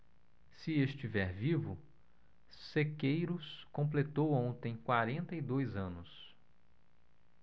se estiver vivo sequeiros completou ontem quarenta e dois anos